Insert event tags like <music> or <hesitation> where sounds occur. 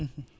<hesitation> <hesitation>